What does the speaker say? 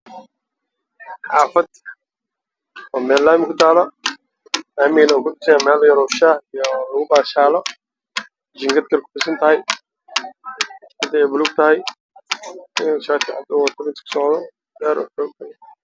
Waa suuq waxa maraya nin wata shati cadaan